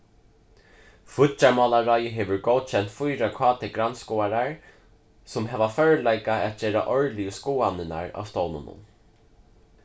fíggjarmálaráðið hevur góðkent fýra kt-grannskoðarar sum hava førleika at gera árligu skoðanirnar á stovnunum